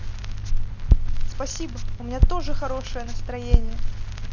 спасибо у меня тоже хорошее настроение